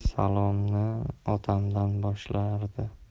salomni otamdan boshlardi